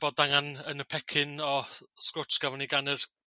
bod angen yn y pecyn o sgrwtch gafo ni gan yr